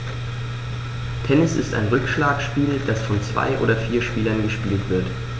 Tennis ist ein Rückschlagspiel, das von zwei oder vier Spielern gespielt wird.